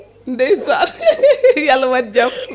ndeysan